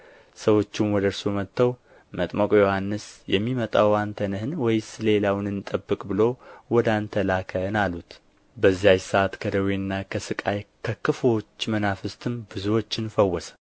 ሰዎቹም ወደ እርሱ መጥተው መጥምቁ ዮሐንስ የሚመጣው አንተ ነህን ወይስ ሌላውን እንጠብቅ ብሎ ወደ አንተ ላከን አሉት በዚያች ሰዓት ከደዌና ከሥቃይ ከክፉዎች መናፍስትም ብዙዎችን ፈወሰ